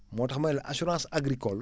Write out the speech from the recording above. moo tax ma ne la assurance agricole